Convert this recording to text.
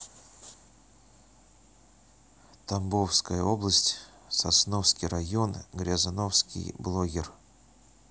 тамбовская область сосновский район грязновский блоггер